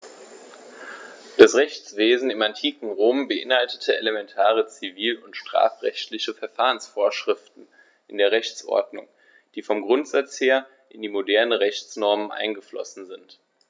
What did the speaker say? Das Rechtswesen im antiken Rom beinhaltete elementare zivil- und strafrechtliche Verfahrensvorschriften in der Rechtsordnung, die vom Grundsatz her in die modernen Rechtsnormen eingeflossen sind.